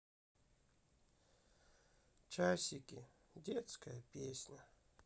часики детская песня